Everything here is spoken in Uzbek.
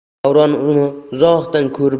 davron uni uzoqdan